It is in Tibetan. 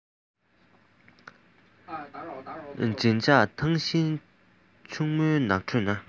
བྱིན ཆགས ཐང ཤིང ཕྱུག མོའི ནགས ཁྲོད ན